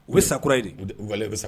U bɛ sakura ye wale bɛ sa